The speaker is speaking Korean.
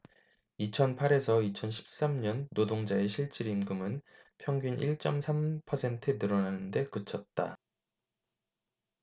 이천 팔 에서 이천 십 삼 년 노동자의 실질임금은 평균 일 쩜 삼 퍼센트 늘어나는 데 그쳤다